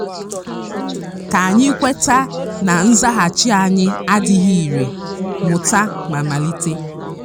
Ka anyị kweta na nzaghachi anyị adịghị irè, mụta ma melite.